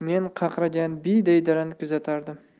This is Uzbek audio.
men qaqragan biyday dalani kuzatardim